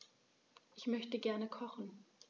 Ich möchte gerne kochen.